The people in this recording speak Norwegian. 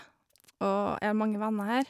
Og jeg har mange venner her.